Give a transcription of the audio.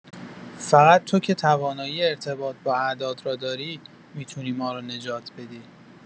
فقط تو که توانایی ارتباط با اعداد راداری، می‌تونی ما رو نجات بدی!